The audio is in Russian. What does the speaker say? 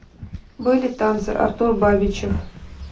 были танцы артур бабичев